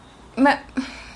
ma'